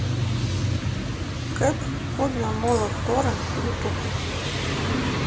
кэп поднял молот тора ютуб